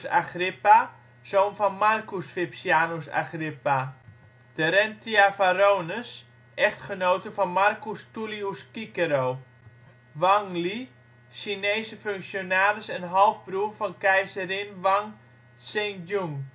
Agrippa, zoon van Marcus Vipsanius Agrippa Terentia Varrones, echtgenote van Marcus Tullius Cicero Wang Li (Xin), Chinese functionaris en (half) broer van keizerin Wang Zhengjun